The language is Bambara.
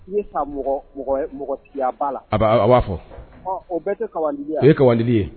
I yeya ba la a b'a fɔ o bɛɛ tɛ ka o ye ka ye